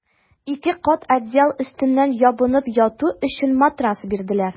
Ике кат одеял өстеннән ябынып яту өчен матрас бирделәр.